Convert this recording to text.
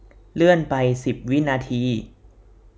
เลื่อนไปสิบวินาที